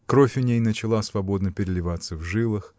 Кровь у ней начала свободно переливаться в жилах